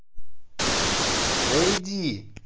да иди